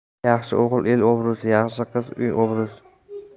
yaxshi o'g'il el obro'si yaxshi qiz uy obro'si